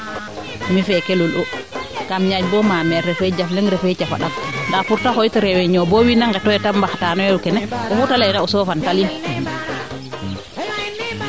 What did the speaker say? mi feeke lul u kam ñaaƴ bo maa maire refe jaf leŋ refe cafa ɗak ndaa pour te xooyit reunion bo wiin we ŋetoyo te mbaxtaanoyo kene oxuu te leyeena o sofanta lin